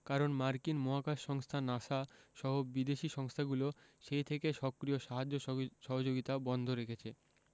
কারণ মার্কিন মহাকাশ সংস্থা নাসা সহ বিদেশি সংস্থাগুলো সেই থেকে সক্রিয় সাহায্য সহযোগিতা বন্ধ রেখেছে